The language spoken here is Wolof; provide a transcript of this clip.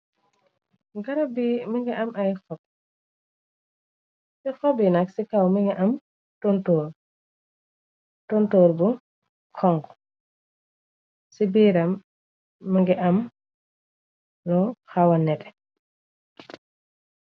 Garab bi mi ngi am ay xob ci xobi nak ci kaw mi ngi am tontor bu kong ci biiram mingi am lu xawa neté.